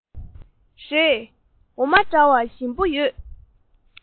རེད འོ མ འདྲ བ ཞིམ པོ ཡོད